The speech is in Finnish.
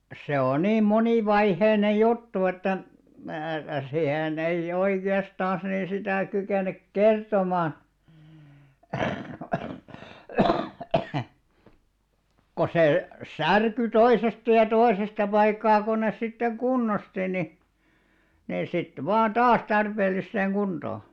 se on niin monivaiheinen juttu että minäkään siihen en oikeastaan niin sitä kykene kertomaan kun se särkyi toisesta ja toisesta paikkaa kun ne sitten kunnosti niin niin sitten vain taas tarpeelliseen kuntoon